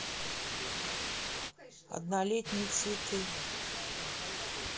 однолетние цветы